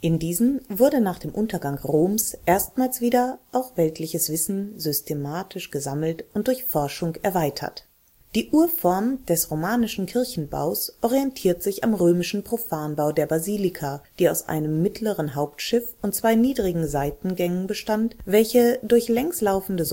in denen nach dem Untergang Roms erstmals wieder auch weltliches Wissen systematisch gesammelt und durch Forschung erweitert wurde. Die Urform des romanischen Kirchenbaus orientierte sich am römischen Profanbau der Basilika, die aus einem mittleren Hauptschiff und zwei niedrigeren Seitengängen (Seitenschiffe) bestand, welche durch längs laufende